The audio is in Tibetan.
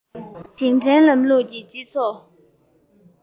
ཞིང ཕྲན ལམ ལུགས ཀྱི སྤྱི ཚོགས